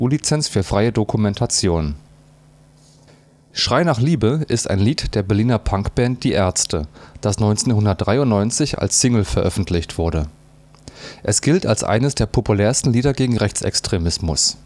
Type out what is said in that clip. Lizenz für freie Dokumentation. Schrei nach Liebe Single von Die Ärzte Von dem Album Die Bestie in Menschengestalt Veröffentlicht 10. September 1993 Genre Punk Länge 4:12 Label Metronome Chronik von Die Ärzte Bitte, Bitte (1989) Schrei nach Liebe (1993) Mach die Augen zu (1993) Schrei nach Liebe ist ein Lied der Berliner Punkband Die Ärzte, das 1993 als Single veröffentlicht wurde. Es gilt als eines der populärsten Lieder gegen Rechtsextremismus